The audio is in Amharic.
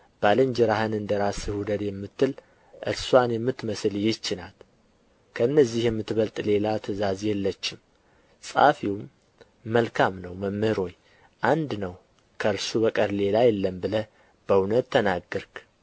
ባልንጀራህን እንደ ራስህ ውደድ የምትል እርስዋን የምትመስል ይህች ናት ከእነዚህ የምትበልጥ ሌላ ትእዛዝ የለችም ጻፊውም መልካም ነው መምህር ሆይ አንድ ነው ከእርሱም በቀር ሌላ የለም ብለህ በእውነት ተናገርህ